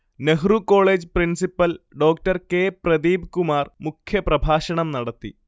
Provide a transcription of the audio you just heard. Nehru college principal Dr K Pradeepkumar മുഖ്യപ്രഭാഷണം നടത്തി